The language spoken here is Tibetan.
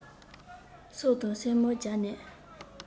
སོ དང སེན མོ བརྒྱབ ནས